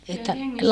ja hengissä säilyi